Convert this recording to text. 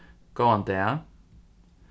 góðan dag